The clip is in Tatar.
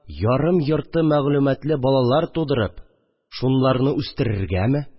Ярым-ярты мәгълүматлы балалар тудырып, шуларны үстерергәме